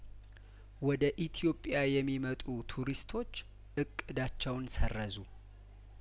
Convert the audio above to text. ወደ ኢትዮጵያ የሚመጡ ቱሪስቶች እቅዳቸውን ሰረዙ